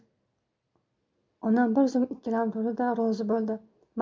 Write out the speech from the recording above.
onam bir zum ikkilanib turdi da rozi bo'ldi